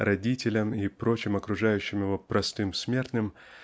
родителям и прочим окружающим его простым смертным